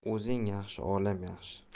o'zing yaxshi olam yaxshi